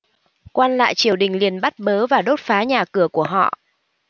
quan lại triều đình liền bắt bớ và đốt phá nhà cửa của họ